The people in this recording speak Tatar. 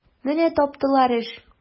Менә таптылар эш!